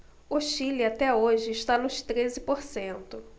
o chile até hoje está nos treze por cento